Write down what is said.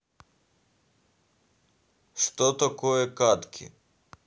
что такое катки